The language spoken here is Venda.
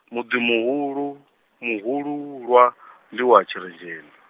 muḓi muhulu, muhululwa , ndi wa Tshirenzheni.